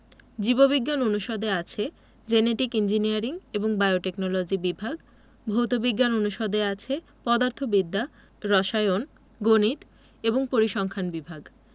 জীব বিজ্ঞান অনুষদে আছে জেনেটিক ইঞ্জিনিয়ারিং এবং বায়োটেকনলজি বিভাগ ভৌত বিজ্ঞান অনুষদে আছে পদার্থবিদ্যা রসায়ন গণিত এবং পরিসংখ্যান বিভাগ